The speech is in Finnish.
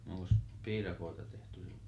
no onkos piirakoita tehty silloin